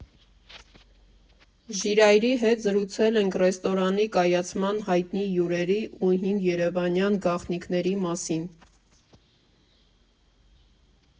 Ժիրայրի հետ զրուցել ենք ռեստորանի կայացման, հայտնի հյուրերի ու հին երևանյան «գաղտնիքների» մասին։